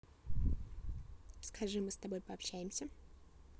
скажи мы с тобой пообщаемся